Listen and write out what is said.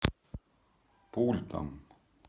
пультом